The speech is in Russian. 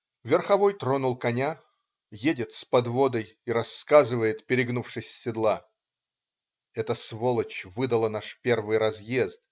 Верховой тронул коня, едет с подводой и рассказывает, перегнувшись с седла: "эта, сволочь, выдала наш первый разъезд